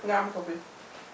nga am ko fi